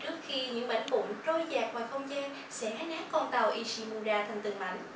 trước khi những mảnh vụn trôi dạt ngoài không gian xé nát con tàu ishimura thành từng mảnh